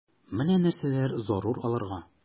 Менә нәрсәләр зарур аларга...